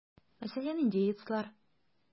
Мәсәлән, индеецлар.